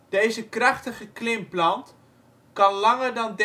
Deze krachtige klimplant kan langer dan